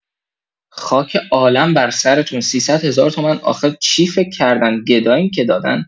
خاک عالم برسرتون ۳۰۰ هزار تومان آخه چی فکر کردن گداییم که دادن